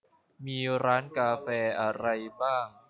มีร้านกาแฟอะไรบ้าง